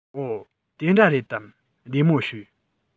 འོ དེ འདྲ རེད དམ བདེ མོ བྱོས